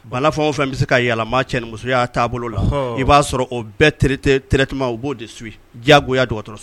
Balafɛn fɛn bɛ se ka yaa cɛmusoya taabolo la i b'a sɔrɔ o bɛɛretumama b'o de su diyagoya dugawu dɔrɔn